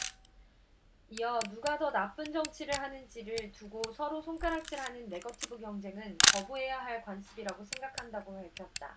이어 누가 더 나쁜 정치를 하는 지를 두고 서로 손가락질 하는 네거티브 경쟁은 거부해야 할 관습이라고 생각한다고 밝혔다